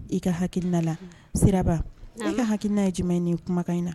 I ka ha na siraba i ka haki ninaa ye jumɛn ye ni kumakan in na